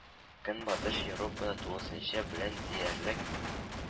Көнбатыш Европаны тулысы белән диярлек